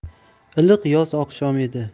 iliq yoz oqshomi edi